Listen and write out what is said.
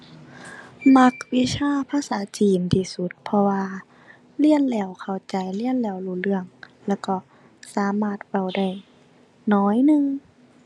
มักวิชาภาษาจีนที่สุด เพราะว่าเรียนแล้วเข้าใจ เรียนแล้วรู้เรื่อง แล้วก็สามารถเว้าได้หน่อยหนึ่ง